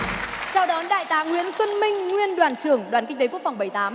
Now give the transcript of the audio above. chào đón đại tá nguyễn xuân minh nguyên đoàn trưởng đoàn kinh tế quốc phòng bảy tám